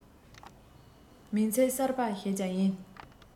མིང ཚིག གསར པ ཞིག ཀྱང ཡིན